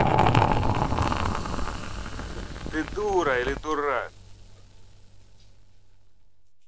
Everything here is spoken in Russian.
ты дура или дурак